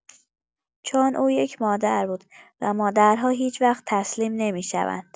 چون او یک مادر بود، و مادرها هیچ‌وقت تسلیم نمی‌شوند.